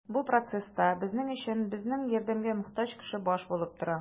Бу процесста безнең өчен безнең ярдәмгә мохтаҗ кеше баш булып тора.